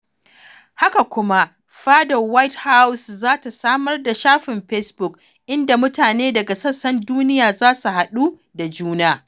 Haka kuma, Fada White House za ta samar da shafin Facebook, inda mutane daga sassan duniya za su haɗu da juna.